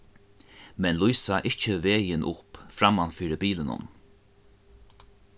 men lýsa ikki vegin upp framman fyri bilinum